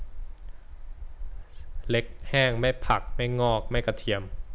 เล็กแห้งไม่ผักไม่งอกไม่กระเทียม